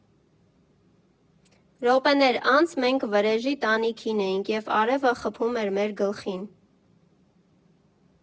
Րոպեներ անց մենք Վրեժի տանիքին էինք և արևը խփում էր մեր գլխին։